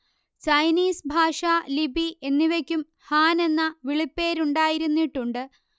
Chinese ഭാഷ ലിപി എന്നിവയ്ക്കും ഹാൻ എന്ന വിളിപ്പേരുണ്ടായിരുന്നിട്ടുണ്ട്